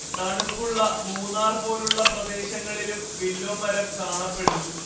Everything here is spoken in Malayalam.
തണുപ്പുള്ള മൂന്നാർ പോലുള്ള പ്രദേശങ്ങളിലും വില്ലൊ മരം കാണപ്പെടുന്നു